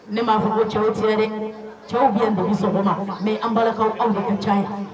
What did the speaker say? Ne m'a fɔ ko cɛw tɛ yan dɛ, cɛw bɛ yan depuis sɔgɔma mais an balakaw , aw de ka caa yan!